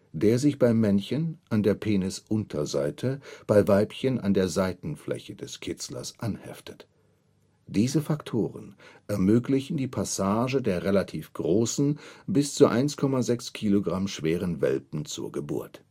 der sich bei Männchen an der Penisunterseite, bei Weibchen an der Seitenfläche des Kitzlers anheftet. Diese Faktoren ermöglichen die Passage der relativ großen, bis zu 1,6 Kilogramm schweren Welpen zur Geburt